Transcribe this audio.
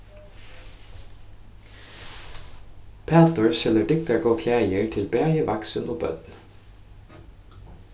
pætur selur dygdargóð klæðir til bæði vaksin og børn